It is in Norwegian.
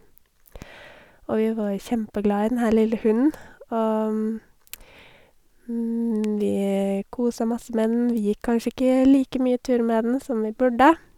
Og vi var jo kjempeglad i den her lille hunden, og vi kosa masse med den, vi gikk kanskje ikke like mye turer med den som vi burde.